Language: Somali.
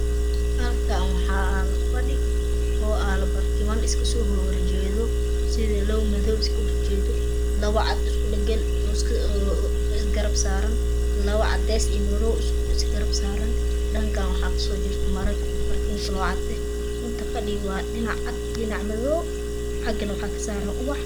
Halkaan wax aalo fadhi o alo barkiman iska so horhor jedo sida lab madow iska so hor jedo labo cad isku dhagan oo is garab saran labo cades iyo madow is garab saran dhakaan wax kaso jirto Maro barkin kalo cad eh inta fadhi wye dhinac cad dhinac madow waxagne waxa ka saran ubax